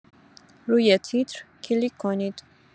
روی تیتر کلیک کنید.